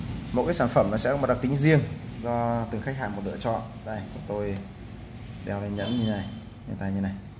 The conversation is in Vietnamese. mỗi sản phẩm sẽ có một đặc tính riêng do khách hàng lựa chọn tôi đeo lên tay để anh chị nhìn nha